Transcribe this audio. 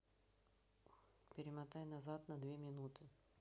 перемотай назад на две минуты